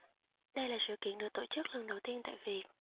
đây là sự kiện được tổ chức lần đầu tiên tại việt